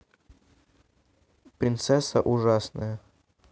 принцесса ужасная